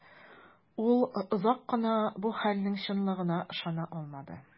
Ул озак кына бу хәлнең чынлыгына ышана алмады.